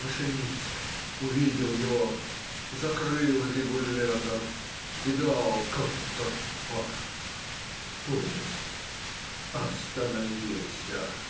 Машинист увидел его, закрыл регулятор и дал контрпар. Поезд остановился.